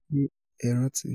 Ṣé ẹ rántí?